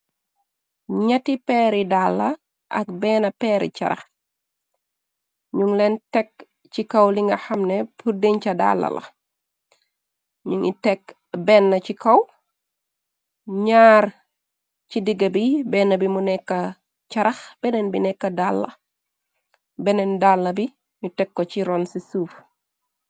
Nyatti peeri dalla ak benn peeri charax ñung leen tekk ci kaw li nga xamne pur denye cha dalla la ñu ngi tekk benn ci kaw ñaar ci digga bi benn bi mu nekka carax benneen dalla bi ñu tekko ci ronn ci suuf.